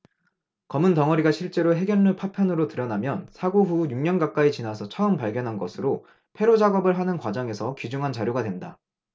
검은 덩어리가 실제로 핵연료 파편으로 드러나면 사고 후 육 년 가까이 지나서 처음 발견한 것으로 폐로작업을 하는 과정에서 귀중한 자료가 된다